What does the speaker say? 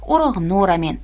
o'rog'imni o'ramen